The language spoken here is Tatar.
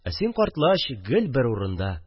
Ә син, картлач, гел бер урында